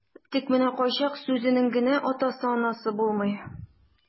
Тик менә кайчак сүзенең генә атасы-анасы булмый.